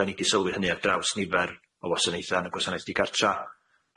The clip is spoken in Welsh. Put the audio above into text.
'Dan ni 'di sylwi hynny ar draws nifer o wasanauthe yn y gwasanaeth di gartra.